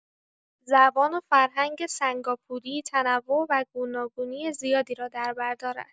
زبان و فرهنگ سنگاپوری تنوع و گوناگونی زیادی را در بر دارد.